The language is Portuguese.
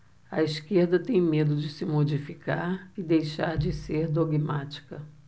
a esquerda tem medo de se modificar e deixar de ser dogmática